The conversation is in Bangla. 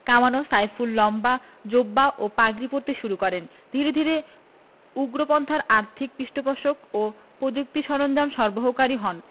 কামানো সাইফুল লম্বা জোব্বা ও পাগড়ি পরতে শুরু করেন ধীরে ধীরে উগ্রপন্থার আর্থিক পৃষ্ঠপোষক ও প্রযুক্তি সরঞ্জাম সরবরাহকারী হন